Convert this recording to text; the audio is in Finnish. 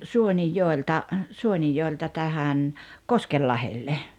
Suonenjoelta Suonenjoelta tähän Koskenlahdelle